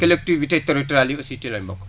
collectivités territoriales yi aussi ci lañ bokk